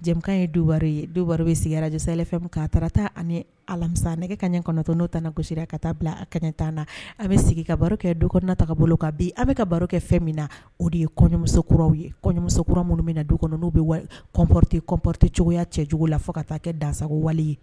jamanakan ye duwa ye doba bɛ sigira arajɛfɛ ka taarata ani alamisa nɛgɛ kaɲɛ kɔnɔtɔn n'o ta na gosisi ka taa bila a kɛnɛtan na an bɛ sigi ka baro kɛ doknataa bolo ka bin an bɛ ka baro kɛ fɛn min na o de ye kɔɲɔmusokuraraw ye kɔɲɔmusokura minnu min na du kɔnɔ'u bɛ kɔmpɔrite kɔmpɔrite cogoyaya cɛ cogo la fo ka taa kɛ dasago wale ye